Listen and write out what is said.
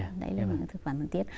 đấy là những thực phẩm cần thiết